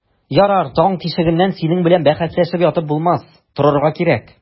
Ярар, таң тишегеннән синең белән бәхәсләшеп ятып булмас, торырга кирәк.